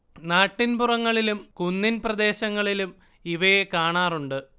നാട്ടിൻ പുറങ്ങളിലും കുന്നിൻ പ്രദേശങ്ങളിലും ഇവയെ കാണാറുണ്ട്